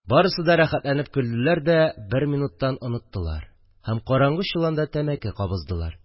Барысы да рәхәтләнеп көлделәр дә, бер минуттан оныттылар һәм караңгы чоланда тәмәке кабыздылар